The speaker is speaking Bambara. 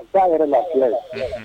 Ba yɛrɛ filɛ yan